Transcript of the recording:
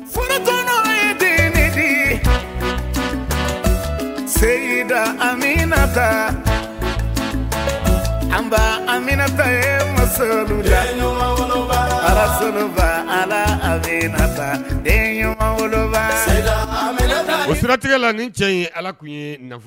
Foro bɛ jigin seginduda aminataminata madudaba alafa ala denba siratigɛ la ni cɛ ye ala tun ye nafa